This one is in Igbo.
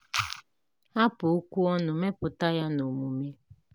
Hapụ okwu ọnụ mepụta ya n'omume.